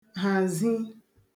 hàzi